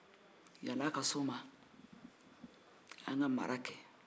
yanni a ka se o ma an ka mara kɛ